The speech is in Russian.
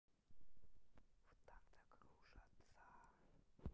в танце кружатся